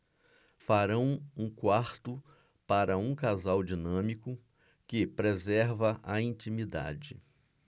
farão um quarto para um casal dinâmico que preserva a intimidade